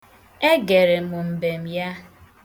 Egere m mbem ya.